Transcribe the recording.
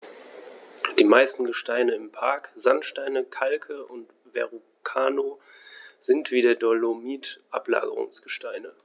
Die meisten Gesteine im Park – Sandsteine, Kalke und Verrucano – sind wie der Dolomit Ablagerungsgesteine.